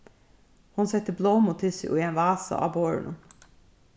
hon setti blómutyssið í ein vasa á borðinum